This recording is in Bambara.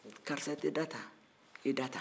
karisa i tɛ da tan i da tan